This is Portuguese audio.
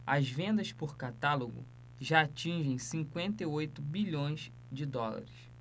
as vendas por catálogo já atingem cinquenta e oito bilhões de dólares